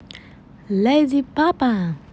lady папа